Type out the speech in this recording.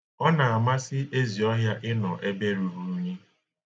Ọna-amasi ezi ọhịa inọ ebe ruru unyi.